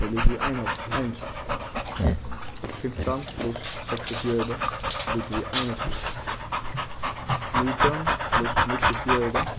er ligvið einogtrýss fimtan pluss seksogfjøruti ligvið einogtrýss nítjan pluss níggjuogfjøruti